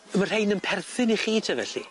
Ma' rhein yn perthyn i chi te felly?